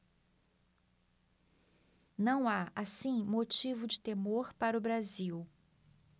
não há assim motivo de temor para o brasil